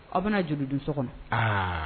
Aw bɛ na joli dun so kɔnɔ.